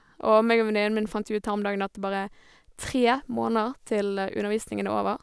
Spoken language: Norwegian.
Og meg og venninnen min fant jo ut her om dagen at det bare er tre måneder til undervisningen er over.